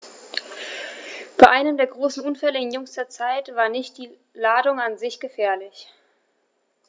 Bei einem der großen Unfälle in jüngster Zeit war nicht die Ladung an sich gefährlich.